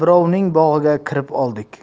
birovning bog'iga kirib oldik